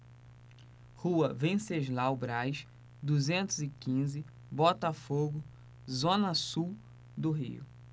rua venceslau braz duzentos e quinze botafogo zona sul do rio